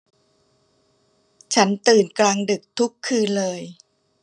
ฉันตื่นกลางดึกทุกคืนเลย